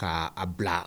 K' aa bila